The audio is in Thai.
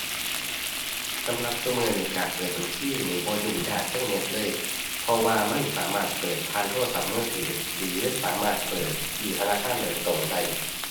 สำหรับซุมื้อนี้การเปิดบัญชีนี่บ่ยุ่งยากจักเม็ดเลย เพราะว่ามันสามารถเปิดผ่านโทรศัพท์มือถือหรือสามารถเปิดที่ธนาคารโดยตรงได้